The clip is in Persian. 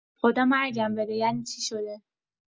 خدا مرگم بده یعنی چی شده؟